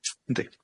Yndi.